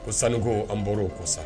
Ko sanuko an bɔra o kɔ sa